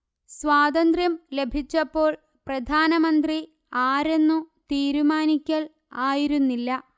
സ്വാതന്ത്ര്യം ലഭിച്ചപ്പോൾ പ്രധാനമന്ത്രി ആരെന്നു തീരുമാനിക്കൽ ആയിരുന്നില്ല